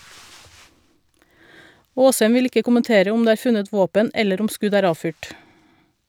Aasheim vil ikke kommentere om det er funnet våpen eller om skudd er avfyrt.